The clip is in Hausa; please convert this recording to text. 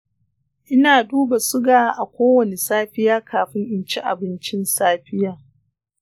ina duba suga a kowace safiya kafin in ci abincin safiya.